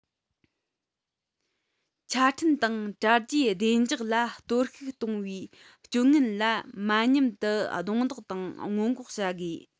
ཆ འཕྲིན དང དྲ རྒྱའི བདེ འཇགས ལ གཏོར བཤིག གཏོང བའི སྤྱོད ངན ལ མ ཉམ དུ རྡུང རྡེག དང སྔོན འགོག བྱ དགོས